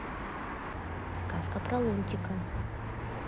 сказка про лунтика